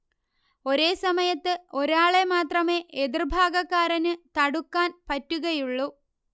ഒരേ സമയത്ത് ഒരാളെ മാത്രമേ എതിര്ഭാഗക്കാരന് തടുക്കാൻ പറ്റുകയുള്ളു